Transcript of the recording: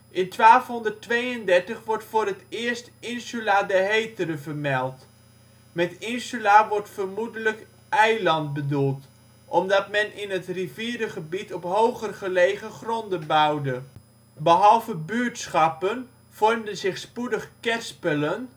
In 1232 wordt voor het eerst “Insula de Hetere” vermeld. Met insula wordt vermoedelijk “eiland” bedoeld, omdat men in het rivierengebied op hoger gelegen gronden bouwde. Behalve buurtschappen vormden zich spoedig Kerspelen